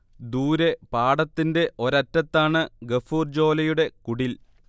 ദൂരെ പാടത്തിന്റെ ഒരറ്റത്താണ് ഗഫൂർ ജോലയുടെ കുടിൽ